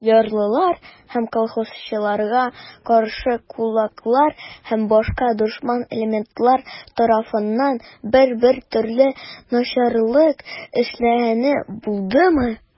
Ярлылар һәм колхозчыларга каршы кулаклар һәм башка дошман элементлар тарафыннан бер-бер төрле начарлык эшләнгәне булдымы?